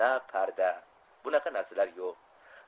na parda bunaqa narsalar yo'q